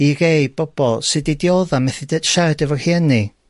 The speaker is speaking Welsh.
I rhei bobol sy 'di diodda methu deu- siarad efo rhieni,